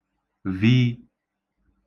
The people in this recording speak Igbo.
v